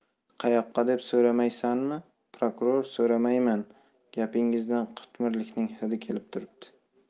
qayoqqa deb so'ramaysanmi prokuror so'ramayman gapingizdan qitmirlikning hidi kelib turibdi